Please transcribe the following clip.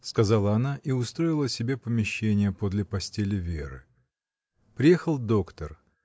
— сказала она и устроила себе помещение подле постели Веры. Приехал доктор.